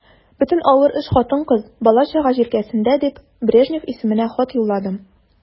Бөтен авыр эш хатын-кыз, бала-чага җилкәсендә дип, Брежнев исеменә хат юлладым.